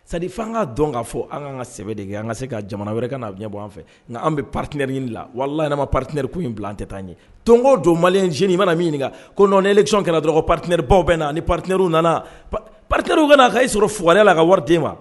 Sadi an ka dɔn k'a fɔ an kan ka sɛbɛn de kɛ an ka se ka jamana wɛrɛ ka'aw ɲɛ bɔ an fɛ nka an bɛ patiɛnri ɲini la walalayma patiɛriku in bila an tɛ taa an ye tonko jɔ malilencinin mana min ɲini ko n nɔnɛlensi kana dɔrɔn patirebaw bɛ na ni p patirw nana paterw kana a ka y'i sɔrɔ fugɛ la ka wariden wa